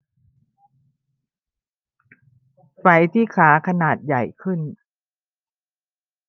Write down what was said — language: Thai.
ไฝที่ขาขนาดใหญ่ขึ้น